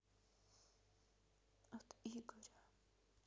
от игоря